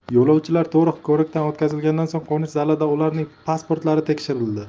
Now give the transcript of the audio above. yo'lovchilar to'liq ko'rikdan o'tkazilgandan so'ng qo'nish zalida ularning pasportlari tekshirildi